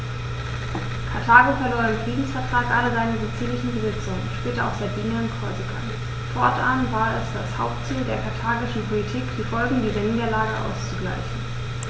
Karthago verlor im Friedensvertrag alle seine sizilischen Besitzungen (später auch Sardinien und Korsika); fortan war es das Hauptziel der karthagischen Politik, die Folgen dieser Niederlage auszugleichen.